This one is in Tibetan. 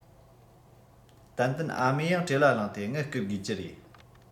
ཏན ཏན ཨ མས ཡང བྲེལ བ ལངས ཏེ དངུལ བསྐུར དགོས ཀྱི རེད